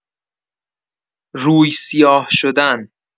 روی سیاه شدن